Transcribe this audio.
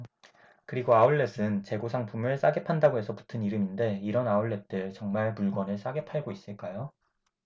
그리고 아웃렛은 재고 상품을 싸게 판다고 해서 붙은 이름인데 이런 아웃렛들 정말 물건을 싸게 팔고 있을까요